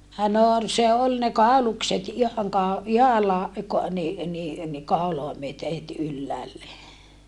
no oli se oli ne kaulukset ihan - ihalla niin niin niin kaulaa myöten heti ylhäälle